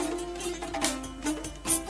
Sanunɛ yo